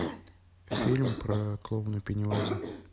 фильм про клоуна пеннивайза